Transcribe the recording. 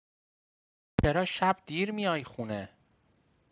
چرا شب دیر میای خونه؟